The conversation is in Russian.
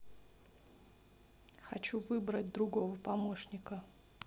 хочу выбрать другого помощника